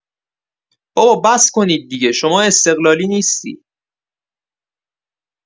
بابا بسه کنید دیگه شما استقلالی نیستی.